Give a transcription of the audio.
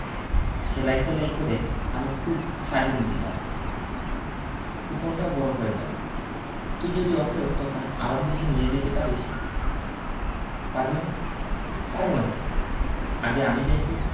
সেলাই টেলাই করে আমি খুব চালিয়ে নিতে পারব খুকনটাও বড় হয়ে যাবে তুই যদি ওকেও তখন আরব দেশে নিয়ে যেতে পারিস পারবি না পারব না কেন আগে আমি যাই তো